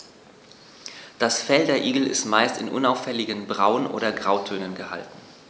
Das Fell der Igel ist meist in unauffälligen Braun- oder Grautönen gehalten.